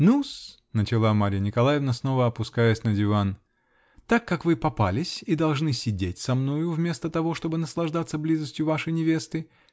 -- Ну-с, -- начала Марья Николаевна, снова опускаясь на диван, -- так как вы попались и должны сидеть со мною, вместо того чтобы наслаждаться близостью вашей невесты.